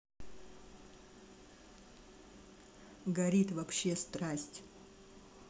горит вообще страсть